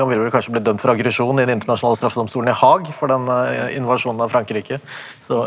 han ville vel kanskje bli dømt for aggresjon i den internasjonale straffedomstolen i Haag for den invasjonen av Frankrike så.